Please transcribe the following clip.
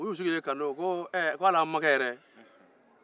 u y'u sigilen kaanto ko hali an makɛ yɛrɛ